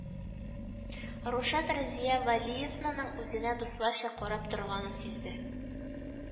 Рушад Разия Вәлиевнаның үзенә дусларча карап торганын сизде